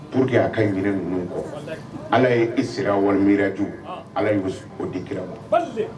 Pur que a ka g ninnu kɔ ala ye i sera walima mitu ala y o di kira ma